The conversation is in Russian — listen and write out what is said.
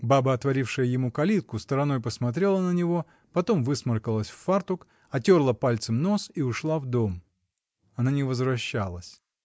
Баба, отворившая ему калитку, стороной посмотрела на него, потом высморкалась в фартук, отерла пальцем нос и ушла в дом. Она не возвращалась.